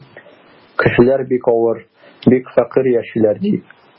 Кешеләр бик авыр, бик фәкыйрь яшиләр, ди.